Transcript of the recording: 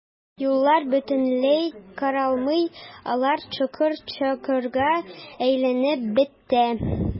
Юллар бөтенләй каралмый, алар чокыр-чакырга әйләнеп бетте.